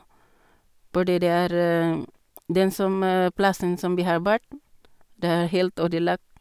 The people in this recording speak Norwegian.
Fordi det er den som plassen som vi har vært, det er helt ødelagt.